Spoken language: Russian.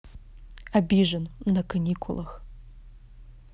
обижен на каникулах